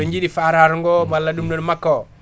oɗon jiiɗi faatato walla ɗum ɗo ɗum walla makka o